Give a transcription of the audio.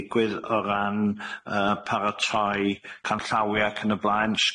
digwydd o ran yy paratoi canllawia ac yn y blaen,